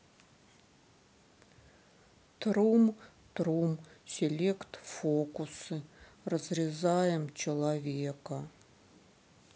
трум трум селект фокусы разрезаем человека